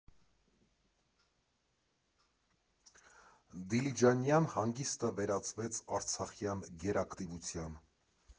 Դիլիջանյան հանգիստը վերածվեց արցախյան գերակտիվության։